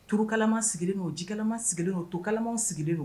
Turukalama sigilen o ji kalaman sigilen o to kalamanw sigilen don